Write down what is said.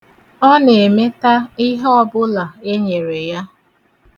Ọ na-emeta ihe ọbụla enyere ya.